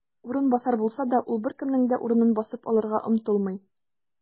"урынбасар" булса да, ул беркемнең дә урынын басып алырга омтылмый.